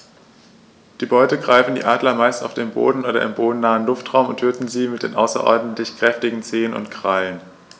Die Beute greifen die Adler meist auf dem Boden oder im bodennahen Luftraum und töten sie mit den außerordentlich kräftigen Zehen und Krallen.